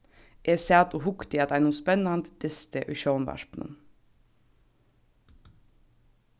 eg sat og hugdi at einum spennandi dysti í sjónvarpinum